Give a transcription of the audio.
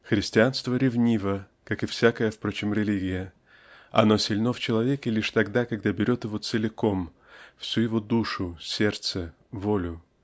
Христианство ревниво, как и всякая, впрочем, религия оно сильно в человеке лишь тогда когда берет его целиком всю его душу сердце волю.